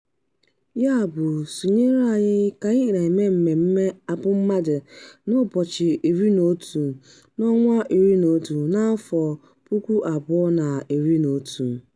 Yabụ sonyere anyị ka anyị na-eme mmeme abụmmadụ na 11/11/11.